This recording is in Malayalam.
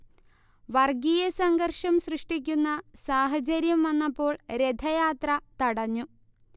വർഗീയസംഘർഷം സൃഷ്ടിക്കുന്ന സാഹചര്യം വന്നപ്പോൾ രഥയാത്ര തടഞ്ഞു